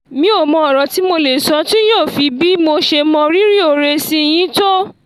Mi ò mọ ọ̀rọ̀ tí mo lè sọ tí yóò fi bí mo ṣe mọ́ rírì oore sí yín tó.